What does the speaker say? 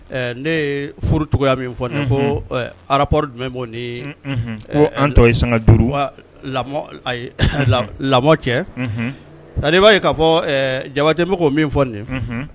ƐƐ ne ye furu cogoya min fɔ nin ye, unhun, ko rapport jumɛ bɛ o ni, unhun,, ko sanga tɔ ye 5 ye, ayi, lamɔn cɛ unhun , c'a dire i b'a ye k'a fɔ Jaba ko min fɔ nin ye, unhu.